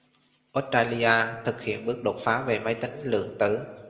australia thực hiện bước đột phá về máy tính lượng tử